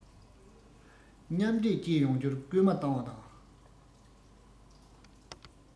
མཉམ འདྲེས བཅས ཡོང རྒྱུར སྐུལ མ བཏང བ དང